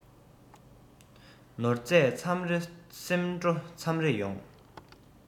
ནོར རྗས མཚམས རེ སོང འགྲོ མཚམས རེ ཡོང